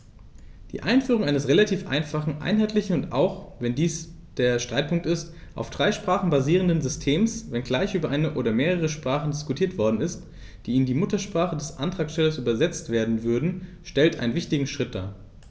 Die Einführung eines relativ einfachen, einheitlichen und - auch wenn dies der Streitpunkt ist - auf drei Sprachen basierenden Systems, wenngleich über eine oder mehrere Sprachen diskutiert worden ist, die in die Muttersprache des Antragstellers übersetzt werden würden, stellt einen wichtigen Schritt dar.